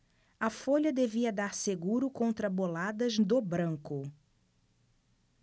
a folha devia dar seguro contra boladas do branco